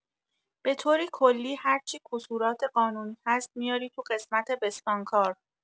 بطوری کلی هرچی کسورات قانونی هست میاری تو قسمت بستانکار